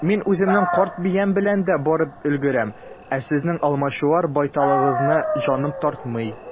Мин үземнең карт биям белән дә барып өлгерәм, ә сезнең алмачуар байталыгызны җаным тартмый.